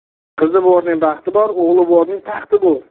qizi borning baxti bor o'g'li borning taxti bor